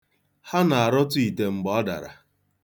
Ha na-arọtu ite mgbe ọ dara.